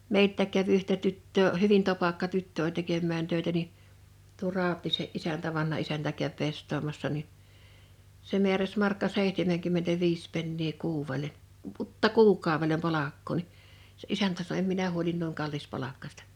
meiltäkin kävi yhtä tyttöä hyvin topakka tyttö oli tekemään töitä niin tuo Rautiaisen isäntä vanha isäntä kävi pestaamassa niin se määräsi markka seitsemänkymmentäviisi penniä kuudelle - kuukaudelle palkkaa niin se isäntä sanoi en minä huoli noin kallispalkkaista